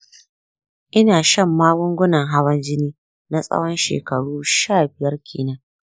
ina shan magungunan hawan jini na tsawon shekaru sha biyar kenan.